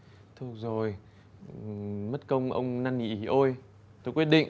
thôi được rồi mất công ông năn nỉ ỉ ôi quyết định